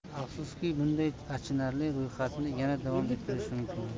afsuski bunday achinarli ro'yxatni yana davom ettirish mumkin